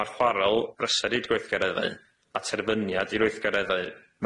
Ma'r chwaral i'r gweithgareddau a terfyniad i'r weithgareddau